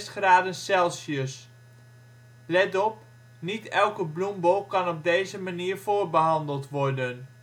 graden Celsius). Let op; niet elke bloembol kan op deze manier voorbehandeld worden